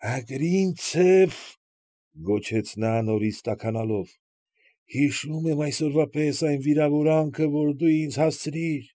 Ագրինցև,֊ գոչեց նա, նորից տաքանալով,֊ հիշում եմ այսօրվա պես այն վիրավորանքը, որ դու ինձ հասցրիր։